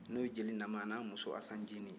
n'o ye jeli naman ye a n'a muso asan ncinin